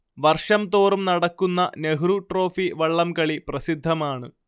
വർഷം തോറും നടക്കുന്ന നെഹ്രു ട്രോഫി വള്ളംകളി പ്രസിദ്ധമാണ്